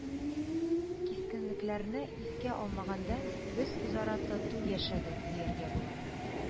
Кискенлекләрне искә алмаганда, без үзара тату яшәдек, дияргә була